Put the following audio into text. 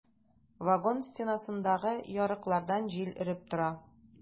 Вагон стенасындагы ярыклардан җил өреп тора.